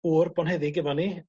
wr blonheddig efo ni